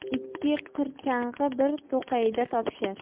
ikki qirchang'i bir to'qayda topishar